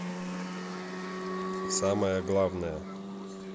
самое главное